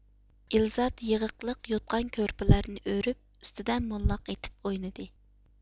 ئېلزاد يىغىقلىق يوتقان كۆرپىلەرنى ئۆرۈپ ئۈستىدە موللاق ئېتىپ ئوينىدى